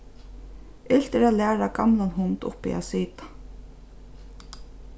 ilt er at læra gamlan hund uppi at sita